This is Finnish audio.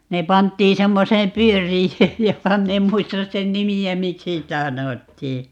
ne pantiin semmoiseen pyöriöön joka minä en muista sen nimeä miksi sitä sanottiin